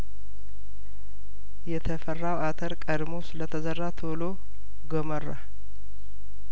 የተፈራው አተር ቀድሞ ስለተዘራ ቶሎ ጐመራ